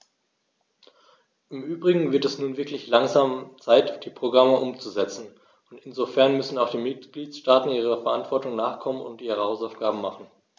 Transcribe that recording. Im übrigen wird es nun wirklich langsam Zeit, die Programme umzusetzen, und insofern müssen auch die Mitgliedstaaten ihrer Verantwortung nachkommen und ihre Hausaufgaben machen.